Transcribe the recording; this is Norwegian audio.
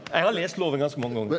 eg har lese loven ganske mange gonger.